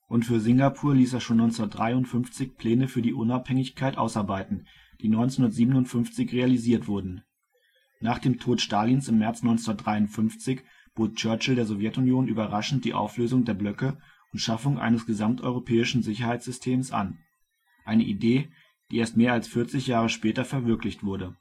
und für Singapur ließ er schon 1953 Pläne für die Unabhängigkeit ausgearbeitet, die 1957 realisiert wurden. Nach dem Tod Stalins im März 1953 bot Churchill der Sowjetunion überraschend die Auflösung der Blöcke und Schaffung eines gesamteuropäischen Sicherheitssystems an: eine Idee, die erst mehr als 40 Jahre später verwirklicht wurde